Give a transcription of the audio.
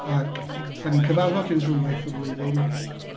Ac dan ni'n cyfarfod ryw ddwy waith y flwyddyn.